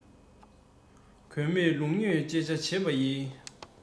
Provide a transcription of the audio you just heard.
དགོས མེད ལུགས མེད བརྗོད བྱ བྱེད པ ཡི